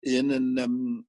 un yn yym